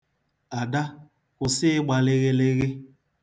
Ada, kwụsị ịgba lịghịlịghị.